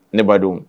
Ne ba don